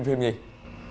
phim gì